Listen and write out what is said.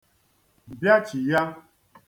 bịachìgha